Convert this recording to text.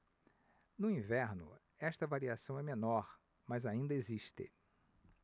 no inverno esta variação é menor mas ainda existe